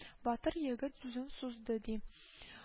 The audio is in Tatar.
Батыр егет сүзен сузды, ди: